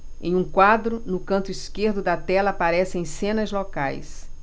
em um quadro no canto esquerdo da tela aparecem cenas locais